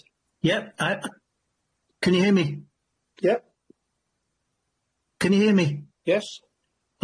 Yep I- can you hear me? Yep. Can you hear me? Yes. Ok.